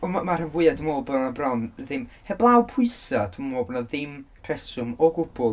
Ond m- ma' rhan fwya... dwi'n meddwl bod 'na bron ddim... heblaw pwysa, dwi'm yn meddwl bod 'na ddim rheswm o gwbl...